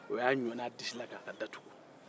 o y'a ɲɔn'a disi la k'a ka da tugu